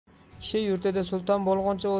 kishi yurtida sulton bo'lguncha